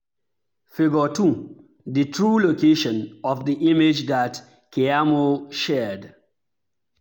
Figure 2: The true location of the image that Keyamo shared.